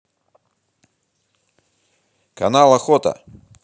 канал охота